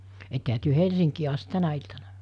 ettehän te Helsinkiin asti tänä iltana